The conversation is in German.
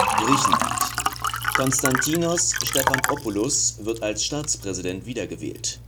Griechenland: Konstantinos Stefanopoulos wird als Staatspräsident wiedergewählt